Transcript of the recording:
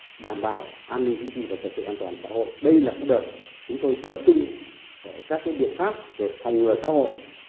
đảm bảo an ninh chính trị và trật tự an toàn xã hội đây là cái đợt chúng tôi tập trung ở các cái biện pháp về phòng ngừa xã hội